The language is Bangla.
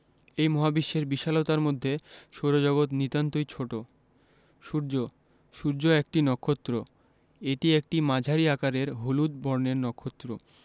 এই মহাবিশ্বের বিশালতার মধ্যে সৌরজগৎ নিতান্তই ছোট সূর্য সূর্য একটি নক্ষত্র এটি একটি মাঝারি আকারের হলুদ বর্ণের নক্ষত্র